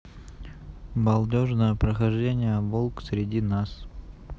балдежное прохождение волк среди нас